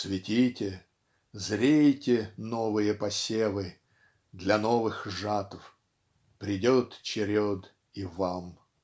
- Цветите, зрейте, новые посевы, Для новых жатв! Придет черед и вам.